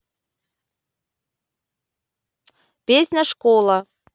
песня школа